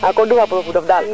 xa a xa ɓay in